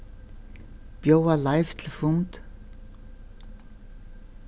bjóða leif til fund